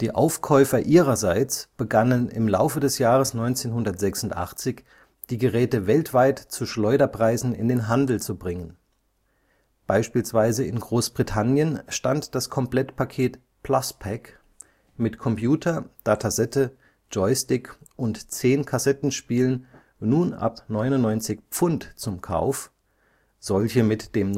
Aufkäufer ihrerseits begannen im Laufe des Jahres 1986 die Geräte weltweit zu Schleuderpreisen in den Handel zu bringen. Beispielsweise in Großbritannien stand das Komplettpaket Plus Pack mit Computer, Datasette, Joystick und zehn Kassettenspielen nun ab 99 £ zum Kauf, solche mit dem